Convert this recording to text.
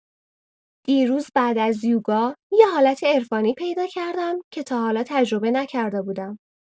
دیروز بعد از یوگا یه حالت عرفانی پیدا کردم که تا حالا تجربه نکرده بودم.